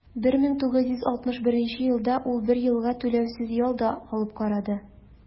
1961 елда ул бер елга түләүсез ял да алып карады.